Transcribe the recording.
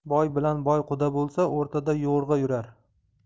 boy bilan boy quda bo'lsa o'rtada yo'ig'a yurar